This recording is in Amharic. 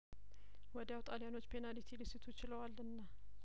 ወዲያው ጣልያኖች ፔናልቲ ሊስቱ ችለዋልና